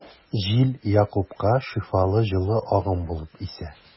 Җил Якупка шифалы җылы агым булып исә.